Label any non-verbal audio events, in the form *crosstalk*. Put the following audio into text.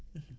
*hesitation* *hesitation*